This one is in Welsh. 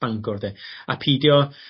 Bangor 'de. A pidio